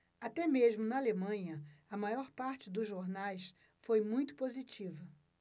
até mesmo na alemanha a maior parte dos jornais foi muito positiva